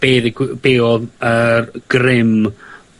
be' ddigwy- be' odd yr grym